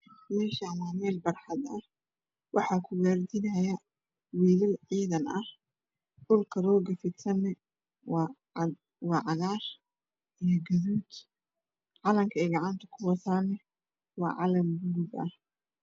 Meshan waa mel barxad ah waxaa ku gardinaya wiilaal cidan ah rooha dhulka yala waa cagaar iho gaduud calanka gacanta ku wataan waa calan baluuga ah